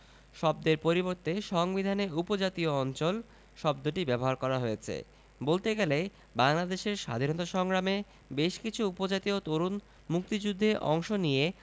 শব্দের পরিবর্তে সংবিধানে উপজাতীয় অঞ্চল শব্দটি ব্যবহার করা হয়েছে বলতে গেলে বাংলাদেশের স্বাধীনতা সংগ্রামে বেশকিছু উপজাতীয় তরুণ মুক্তিযুদ্ধে অংশ নিয়ে